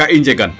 kaa i njegan